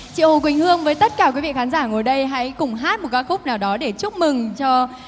chị hồ quỳnh hương với tất cả quý vị khán giả ngồi đây hãy cùng hát một ca khúc nào đó để chúc mừng cho